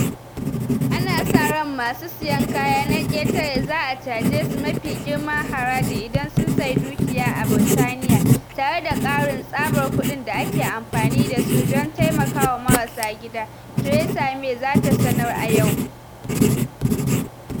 Ana sa ran masu siyan kaya na ƙetare za a caje su mafi girman haraji idan sun sayi dukiya a Birtaniya - tare da ƙarin tsabar kuɗin da ake amfani da su don taimaka wa marasa gida, Theresa May za ta sanar a yau.